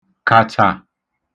kàchà